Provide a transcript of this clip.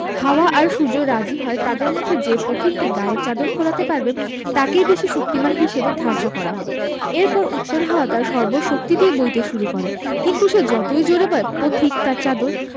হাওয়া আর সূর্য রাজি হয় তাদের মধ্যে যে পথিককে গায়ের চাদর খোলাতে পারবে তাকেই বেশি শক্তিমান হিসেবে ধার্য করা হবে এরপর উত্তর হাওয়া তার সব শক্তি দিয়ে বইতে শুরু করে কিন্তু সে যতই জোড়ে বয় পথিক তার চাদর